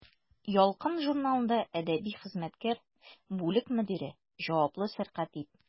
«ялкын» журналында әдәби хезмәткәр, бүлек мөдире, җаваплы сәркәтиб.